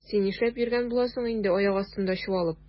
Син нишләп йөргән буласың инде аяк астында чуалып?